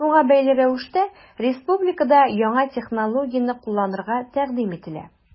Шуңа бәйле рәвештә республикада яңа технологияне кулланырга тәкъдим ителә.